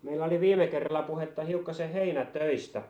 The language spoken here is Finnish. meillä oli viime kerralla puhetta hiukkasen heinätöistä